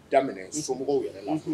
Daminɛ somɔgɔw yɛrɛ la unhun